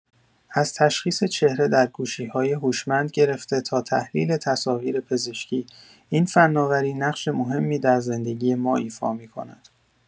از تشخیص چهره در گوشی‌های هوشمند گرفته تا تحلیل تصاویر پزشکی، این فناوری نقش مهمی در زندگی ما ایفا می‌کند.